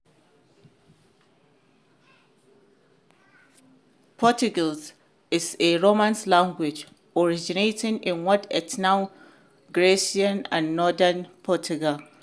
Portuguese is a Romance language originating in what is now Galicia and northern Portugal.